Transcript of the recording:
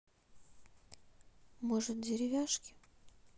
может деревяшки